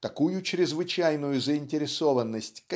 такую чрезвычайную заинтересованность